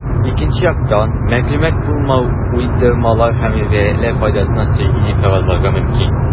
Икенче яктан, мәгълүмат булмау уйдырмалар һәм риваятьләр файдасына сөйли дип фаразларга мөмкин.